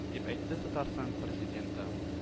Дип әйтте татарстан президенты